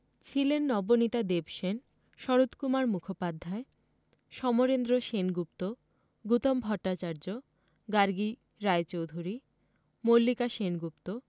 ছিলেন নবনীতা দেবসেন শরতকুমার মুখোপাধ্যায় সমরেন্দ্র সেনগুপ্ত গুতম ভট্টাচার্য গার্গী রায়চৌধুরী মল্লিকা সেনগুপ্ত